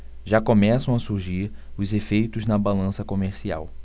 já começam a surgir os efeitos na balança comercial